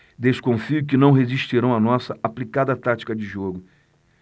desconfio que não resistirão à nossa aplicada tática de jogo